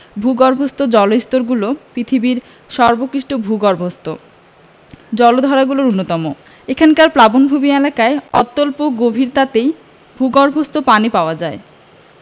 ভূগর্ভস্থ জলস্তরগুলো পৃথিবীর সর্বোৎকৃষ্টভূগর্ভস্থ জলাধারগুলোর অন্যতম এখানকার প্লাবনভূমি এলাকায় অত্যল্প গভীরতাতেই ভূগর্ভস্থ পানি পাওয়া যায়